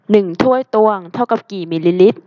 หนึ่งถ้วยตวงเท่ากับกี่มิลลิลิตร